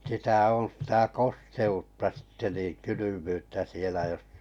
sitä on sitä kosteutta sitten niin kylmyyttä siellä jos